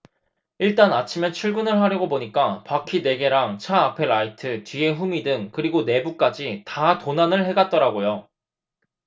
일단 아침에 출근을 하려고 보니까 바퀴 네 개랑 차 앞에 라이트 뒤에 후미등 그리고 내부까지 다 도난을 해 갔더라고요